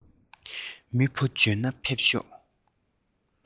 མི ཕོ འཇོན ན ཕེབས ཤོག